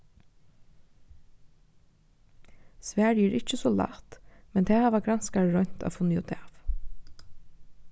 svarið er ikki so lætt men tað hava granskarar roynt at funnið útav